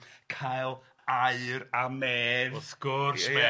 ...cael aur a medd. Wrth gwrs medd